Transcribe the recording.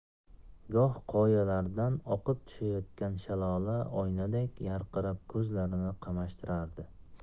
goh qoyalardan oqib tushayotgan shalola oynadek yarqirab ko'zlarni qamashtirardi